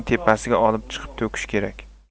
tepasiga olib chiqib to'kish kerak